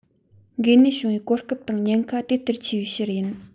འགོས ནད བྱུང བའི གོ སྐབས དང ཉེན ཁ དེ ལྟར ཆེ བའི ཕྱིར ཡིན